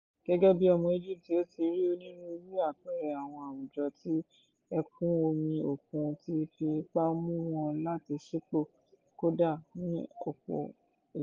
Gẹ́gẹ́ bí ọmọ Egypt, ó ti rí onírúurú àpẹẹrẹ àwọn àwùjọ tí ẹ̀kún-omi òkun tí fi ipa mú wọn láti ṣípò, kódà ní ọ̀pọ̀ ìgbà.